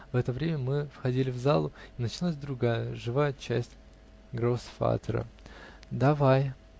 В это время мы входили в залу, и начиналась Другая, живая часть гросфатера. -- Давай.